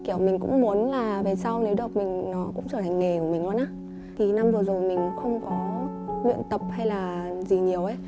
kiểu mình cũng muốn là về sau nếu được mình nó cũng trở thành nghề của mình luôn á thì năm vừa rồi mình không có luyện tập hay là gì nhiều ế